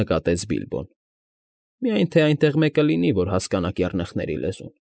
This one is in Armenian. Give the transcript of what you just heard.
Նկատեց Բիլբոն,֊ միայն հազիվ թե այնտեղ մեկը լինի, որ հասկանա կեռնեխների լեզուն։ ֊